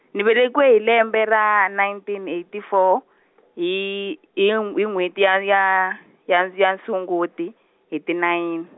ni velekiwe hi lembe ra nineteen eighty four , hi hi ng-, hi n'wheti ya ya, ya ya Sunguti hi ti nawini.